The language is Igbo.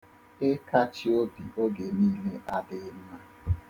Ịkachi obi oge niile adịghị mma.